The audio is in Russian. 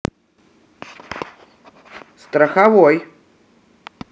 страховой